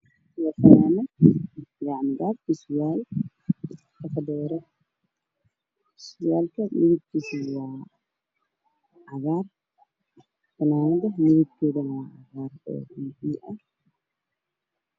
Waxaa ii muuqda surwaal iyo fanaanad madow oo isku joog ah waxa ayna sulan yihiin meel midabkoodana waa madow